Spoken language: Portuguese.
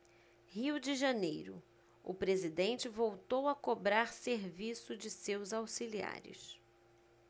rio de janeiro o presidente voltou a cobrar serviço de seus auxiliares